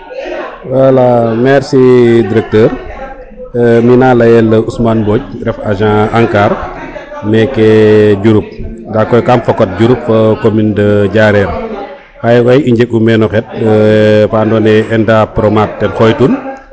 wala merci directeur mina leyel Ousmane mbodj ref agent encare meke Diouroup nda koy kama fokat Djouroup fo commune de Diarekh xaye koy i njeg u meen no xet fa ando naye ENDA PRONAT ten xooy tun